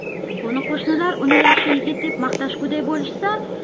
qo'ni qo'shnilar uni yaxshi yigit deb maqtashguday bo'lishsa